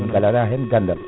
ngal ala hen gandal